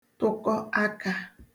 tụkọ akā